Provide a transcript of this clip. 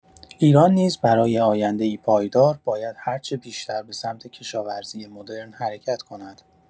ایران نیز برای آینده‌ای پایدار باید هرچه بیشتر به سمت کشاورزی مدرن حرکت کند.